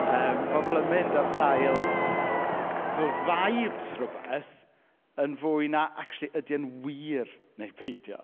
Yym pobl yn mynd ar sail yy fel vibes rhywbeth yn fwy na acshyli ydy e'n wir neu peidio.